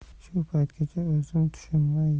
shu paytgacha o'zim tushunmay